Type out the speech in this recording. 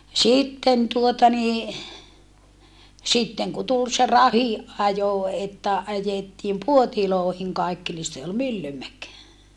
sitten tuota niin sitten kun tuli se rahdin ajo että ajettiin puoteihin kaikki niin se oli Myllymäki